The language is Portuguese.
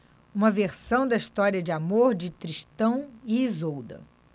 uma versão da história de amor de tristão e isolda